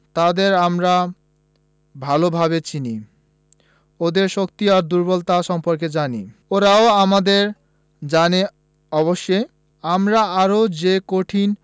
তাদের আমরা ভালোভাবে চিনি ওদের শক্তি ও দুর্বলতা সম্পর্কে জানি ওরাও আমাদের জানে অবশ্য আমরা আরও যে কদিন